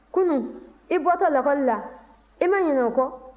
kunun i bɔtɔ lakɔli la i ma ɲinɛ o kɔ